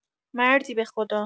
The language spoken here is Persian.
مردی بخدا